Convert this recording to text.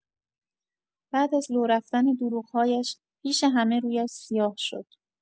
بعد از لو رفتن دروغ‌هایش، پیش همه رویش سیاه شد.